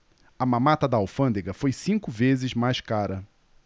a mamata da alfândega foi cinco vezes mais cara